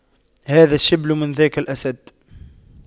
هذا الشبل من ذاك الأسد